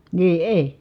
niin ei